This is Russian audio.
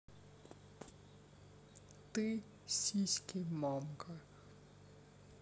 ты сиськи мамка